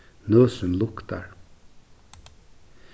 nøsin luktar